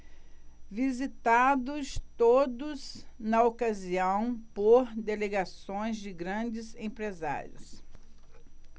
visitados todos na ocasião por delegações de grandes empresários